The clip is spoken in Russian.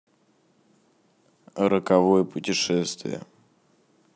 роковое путешествие